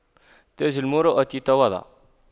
تاج المروءة التواضع